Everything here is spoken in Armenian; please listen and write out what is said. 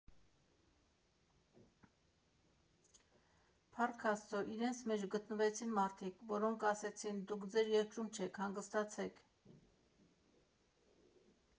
Փառք Աստծո, իրենց մեջ գտնվեցին մարդիկ, որոնք ասեցին՝ «դուք ձեր երկրում չեք, հանգստացեք…